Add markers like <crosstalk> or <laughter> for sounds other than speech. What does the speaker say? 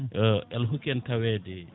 <hesitation> yo Allah hokku en tawede